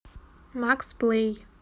max play